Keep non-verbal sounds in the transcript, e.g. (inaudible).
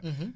(hesitation) (hesitation)